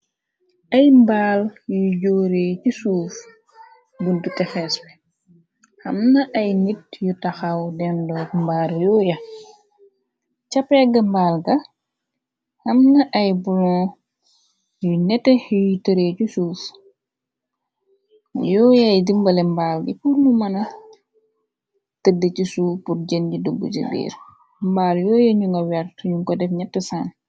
Ay mbaal yuy jóore ci suuf duntu te xees bi xamna ay nit yu taxaw dendook mbaar yooya capegg mbaal ga xamna ay bulon yuy netex yuy tëree ci suuf yooyaay dimbale mbaal gi purnu mëna tëdde ci suuf bur jën gi dubb je biir mbaal yooya ñu nga weertuñu ko def ñett saan.